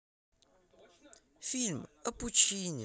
фильм о пучине